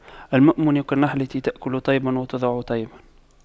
المؤمن كالنحلة تأكل طيبا وتضع طيبا